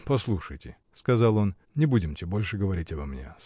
-- Послушайте, -- сказал он, -- не будемте больше говорить обо мне